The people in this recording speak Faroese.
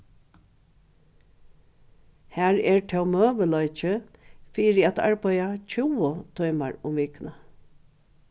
har er tó møguleiki fyri at arbeiða tjúgu tímar um vikuna